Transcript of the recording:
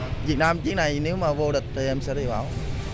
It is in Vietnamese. việt nam chuyến này nếu mà vô địch thì em sẽ đi bão